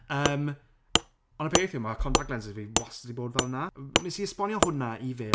Yym ond y peth yw mae contact lenses fi wastad 'di bod fel 'na. Wnes i esbonio hwnna i fe...